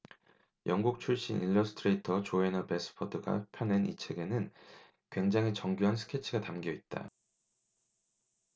영국 출신 일러스트레이터 조해너 배스퍼드가 펴낸 이 책에는 굉장히 정교한 스케치가 담겨 있다